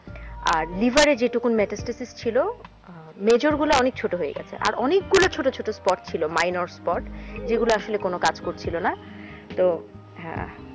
আর লিভারের যেটুকুন মেটাসটেসিস ছিল মেজর গুলো অনেক ছোট হয়ে গেছে আর অনেকগুলো ছোট ছোট স্পট ছিল মাইনর স্পট যেগুলো আসলে কোন কাজ করছিল না তো